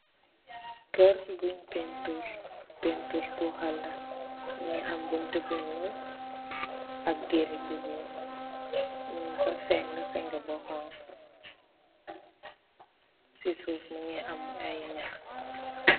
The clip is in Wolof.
Kër gun penturr, penturr bu hala mungi am buntu bu ñuul ak geri bu ñuul. Nung ko sègg, sègg bu honku ci suuf mungi am ay nëh.